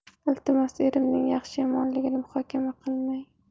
iltimos erimning yaxshi yomonligini muhokama qilmang